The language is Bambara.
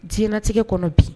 Diɲɛlatigɛ kɔnɔ bi.